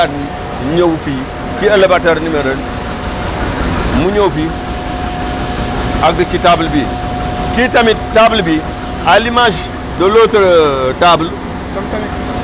léegi mu jaar nii ñëw fii si élevateur numéro mu ñëw fii àgg ci table bii kii tamit table bi à l' image de l' autre table